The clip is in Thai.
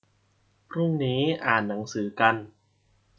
พรุ่งนี้อ่านหนังสือกัน